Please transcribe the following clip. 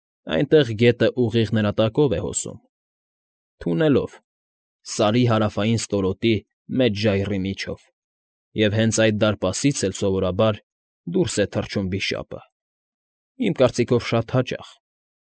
Այնտեղ գետը ուղիղ նրա տակով է հոսում, թունելով, Սարի Հարավային ստորոտի մեծ ժայռի միջով, և հենց այդ դարպասից էլ սովորաբար դուրս է թռչում Վիշապը, իմ կարծիքով շատ հաճախ,